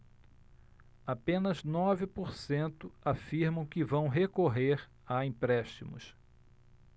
apenas nove por cento afirmam que vão recorrer a empréstimos